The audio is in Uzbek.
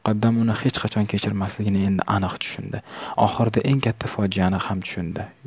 muqaddam uni hech qachon kechirmasligini endi aniq tushundi oxirida eng katta fojiani ham tushundi